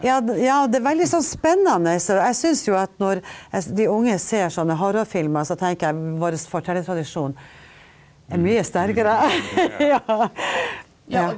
ja ja og det er veldig sånn spennende, og jeg syns jo at når de unge ser sånne horrorfilmer så tenker jeg vår fortellertradisjon er mye sterkere ja ja.